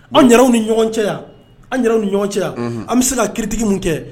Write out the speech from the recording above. Anw yɛrɛw ni ɲɔgɔn cɛ yan anw yɛrɛw ni ɲɔgɔn cɛ yan unhun an bɛ se ka critique mun kɛ